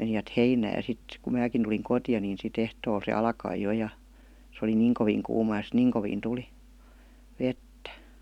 menivät heinään ja sitten kun minäkin tulin kotia niin sitten ehtoolla se alkoi jo ja se oli niin kovin kuuma ja sitten niin kovin tuli vettä